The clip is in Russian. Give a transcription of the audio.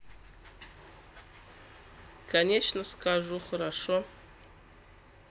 конечно скажу хорошо